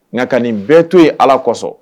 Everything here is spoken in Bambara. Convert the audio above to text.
Nka ka nin bɛɛ to ye ala kosɔn